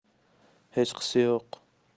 hechqisi yo'q